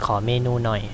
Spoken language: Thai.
ขอเมนูหน่อย